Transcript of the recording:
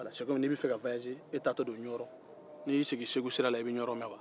a be komi n'i bɛ fɛ ka taa ɲɔɔrɔn n'i y'i sigi segu sira i bɛ ɲɔɔrɔn mɛn wa